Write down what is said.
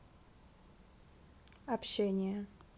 общение